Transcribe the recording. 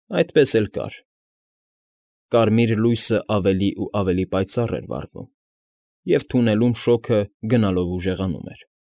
Այդպես էլ կար։ Կարմիր լույսը ավելի ու ավելի պայծառ էր վառվում, և թունելում շոգը գնալով ուժեղանում էր։